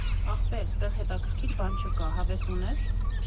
Ախպեր, ստեղ հետաքրքիր բան չկա, հավես ունե՞ս։